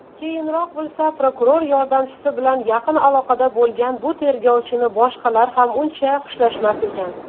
keyinroq bilsa prokuror yordamchisi bilan yaqin aloqada bo'lgan bu tergovchini boshqalar ham uncha xushlashmas ekan